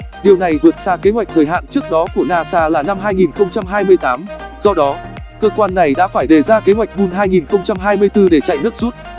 điều này vượt xa kế hoạch thời hạn trước đó của nasa là năm do đó cơ quan này đã phải đề ra kế hoạch moon để chạy nước rút